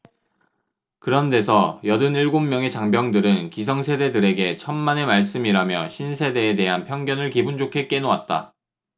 그런 데서 여든 일곱 명의 장병들은 기성세대들에게 천만의 말씀이라며 신세대에 대한 편견을 기분좋게 깨놓았다